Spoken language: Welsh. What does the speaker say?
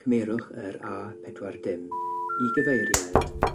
cymerwch yr a pedwar dim i gyfeiriad